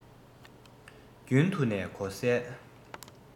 རྒྱུན དུ ནས གོ གསལ